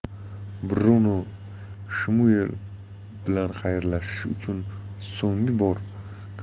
bruno shmuel bilan xayrlashish uchun so'nggi